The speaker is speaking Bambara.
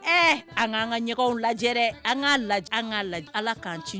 Ɛɛ an k'an ka ɲɛgɛnw lajɛ dɛ, an k'a laj an k'a laj Ala kan ci